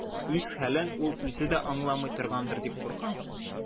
Үз хәлен ул үзе дә аңламый торгандыр дип куркам.